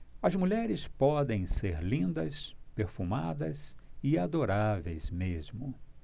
as mulheres podem ser lindas perfumadas e adoráveis mesmo